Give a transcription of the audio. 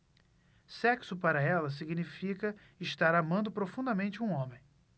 sexo para ela significa estar amando profundamente um homem